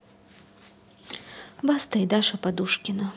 баста и даша пушкина